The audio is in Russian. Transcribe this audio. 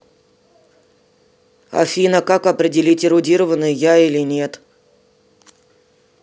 афина как определить эрудированная я или нет